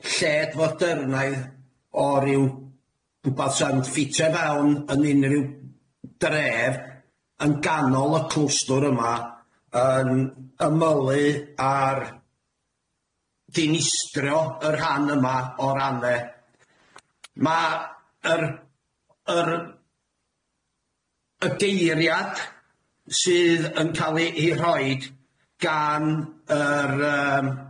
lled-fodernaidd o ryw 'wbath 'sa'n ffitio fewn yn unrhyw, dref yn ganol y clwstwr yma yn ymylu ar dinistrio y rhan yma o'r ane. Ma' yr yr y geiriad sydd yn ca'l i i rhoid gan yr yym